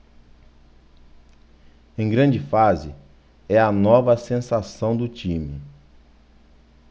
em grande fase é a nova sensação do time